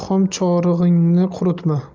xom chorig'ingni quritma